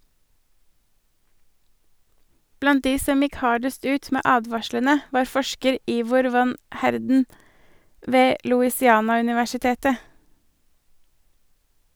Blant de som gikk hardest ut med advarslene var forsker Ivor van Heerden ved Louisiana-universitetet.